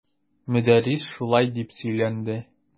Мөдәррис шулай дип сөйләнде.